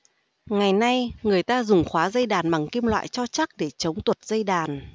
ngày nay người ta dùng khóa dây đàn bằng kim loại cho chắc để chống tuột dây đàn